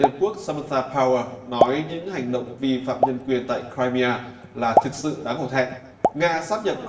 hiệp quốc sa ma bâu ua nói những hành động vi phạm nhân quyền tại cim rít là thực sự đáng hổ thẹn nga sáp nhập